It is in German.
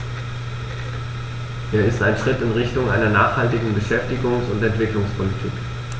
Er ist ein Schritt in Richtung einer nachhaltigen Beschäftigungs- und Entwicklungspolitik.